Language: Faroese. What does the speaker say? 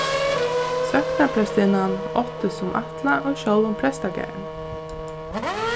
sóknarprestinnan átti sum ætlað á sjálvum prestagarðinum